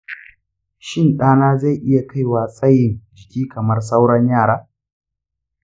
shin ɗana zai iya kaiwa tsayin jiki kamar sauran yara?